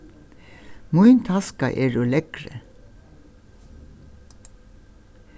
mín taska er úr leðri